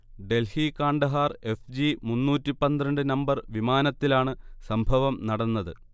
Delhi-Kandahar F. G മുന്നൂറ്റി പന്ത്രണ്ട് number വിമാനത്തിലാണ് സംഭവം നടന്നത്